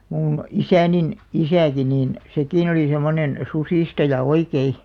minun isäni isäkin niin sekin oli semmoinen susistaja oikein